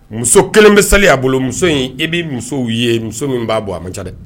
Muso kelen bɛ seli a bolo muso in e bɛ muso ye muso min b'a bɔ a ma ca dɛ